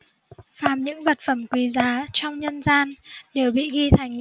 phàm những vật phẩm quý giá trong nhân gian đều bị ghi thành